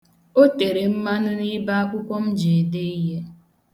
O tere mmanụ n'ibe akwụkwọ m ji ede ihe.